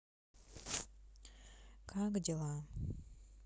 как дела